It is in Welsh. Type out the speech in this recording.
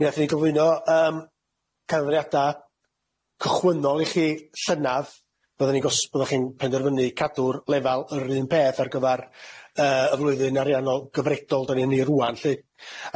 Mi nethon ni gyflwyno yym cyfrifiada cychwynnol i chi llynadd fyddan ni'n gos- byddoch chi'n penderfynu cadw'r lefal yr un peth ar gyfar yy y flwyddyn ariannol gyfredol da ni yni rŵan lly.